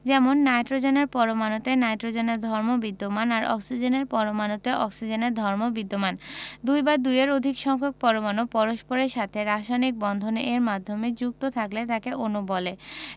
যেমন নাইট্রোজেনের পরমাণুতে নাইট্রোজেনের ধর্ম বিদ্যমান আর অক্সিজেনের পরমাণুতে অক্সিজেনের ধর্ম বিদ্যমান দুই বা দুইয়ের অধিক সংখ্যক পরমাণু পরস্পরের সাথে রাসায়নিক বন্ধন এর মাধ্যমে যুক্ত থাকলে তাকে অণু বলে